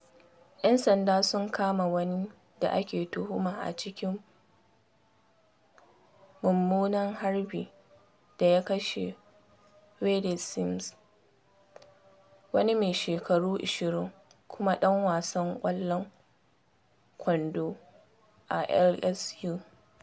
‘Yan sanda sun kama wani da ake tuhuma a cikin mummunan harbi da ya kashe Wayde Sims, wani mai shekaru 20 kuma ɗan wasan ƙwallon kwando a LSU.